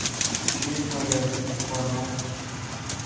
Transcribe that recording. kuchi yetmagan to'g'anoq solar